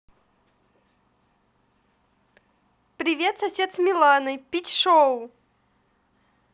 привет сосед с миланой пить шоу